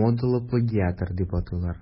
модалы плагиатор дип атыйлар.